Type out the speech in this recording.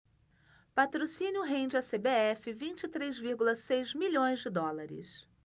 patrocínio rende à cbf vinte e três vírgula seis milhões de dólares